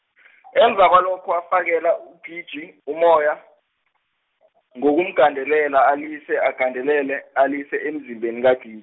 emva kwalokho wafakela UGiji, umoya , ngokumgandelela alise agandelele alise emzimbeni kaGi-.